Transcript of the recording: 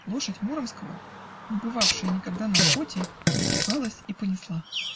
Лошадь Муромского, не бывавшая никогда на охоте, испугалась и понесла.